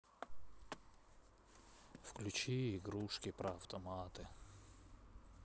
включи игрушки про автоматы